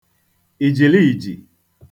ìjìliìjì